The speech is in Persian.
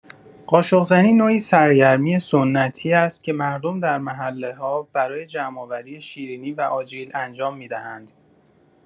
قاشق‌زنی نوعی سرگرمی سنتی است که مردم در محله‌ها برای جمع‌آوری شیرینی و آجیل انجام می‌دهند.